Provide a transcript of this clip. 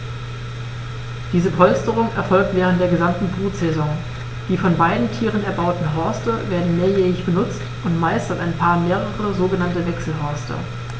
Diese Polsterung erfolgt während der gesamten Brutsaison. Die von beiden Tieren erbauten Horste werden mehrjährig benutzt, und meist hat ein Paar mehrere sogenannte Wechselhorste.